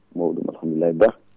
mawɗum alhamdulillahi Ba